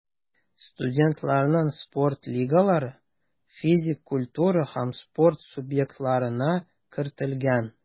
Студентларның спорт лигалары физик культура һәм спорт субъектларына кертелгән.